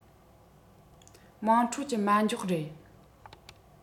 དམངས ཁྲོད ཀྱི མ འཇོག རེད